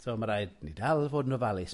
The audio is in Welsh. So ma' raid ni dal i fod yn ofalus.